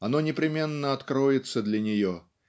оно непременно откроется для нее